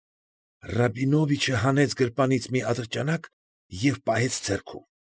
Ռաբինովիչը հանեց գրպանից մի ատրճանակ և պահեց ձեռքում։